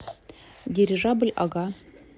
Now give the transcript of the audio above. дирижабль ага